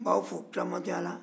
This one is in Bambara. n b'aw fo kiramantonya la